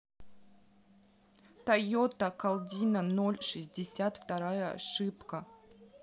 тойота калдина ноль шестьдесят вторая ошибка